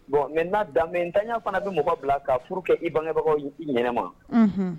Bon n n'a dantanɲa fana bɛ mɔgɔ bila ka furu kɛ i bangekɛbagaw y ye i ɲɛnaɛnɛma